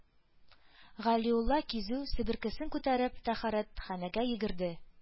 Галиулла кизү, себеркесен күтәреп, тәһарәтханәгә йөгерде.